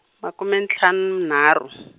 makume ntlhanu nharhu.